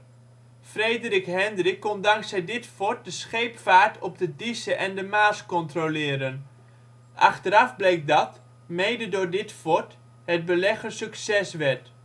Frederik Hendrik kon dankzij dit fort de scheepvaart op de Dieze en de Maas controleren. Achteraf bleek dat, mede door dit fort, het beleg een succes werd. Het fort werd